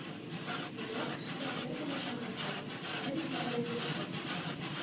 Миллион кешегә бер генә шагыйрь туа, бер-ике генә җырчы